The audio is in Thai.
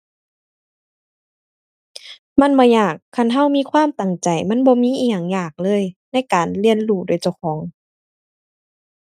มันบ่ยาก คันเรามีความตั้งใจ มันบ่มีอิหยังยากเลย ในการเรียนรู้ด้วยเจ้าของ